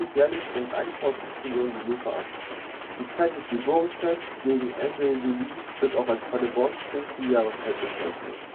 jährlich rund 1,5 Millionen Besucher an. Die Zeit des Liborifests gegen Ende Juli wird auch als Paderborns Fünfte Jahreszeit bezeichnet